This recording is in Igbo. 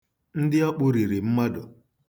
Ndị ọkpụ riri mmadụ.